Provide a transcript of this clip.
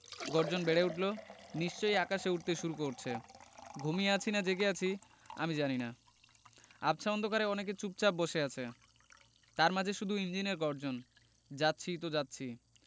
গর্জন বেড়ে উঠলো নিশ্চয়ই আকাশে উড়তে শুরু করছে ঘুমিয়ে আছি না জেগে আছি আমি জানি না আবছা অন্ধকারে অনেকে চুপচাপ বসে আছে তার মাঝে শুধু ইঞ্জিনের গর্জন যাচ্ছি তো যাচ্ছি